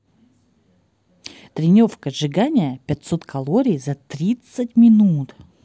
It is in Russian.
тренировка сжигание пятьсот калорий за тридцать минут